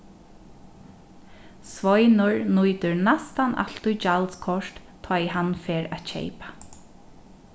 sveinur nýtir næstan altíð gjaldskort tá ið hann fer at keypa